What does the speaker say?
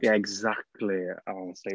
Yeah exactly, honestly.